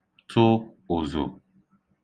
tụ̄ ụ̀zụ̀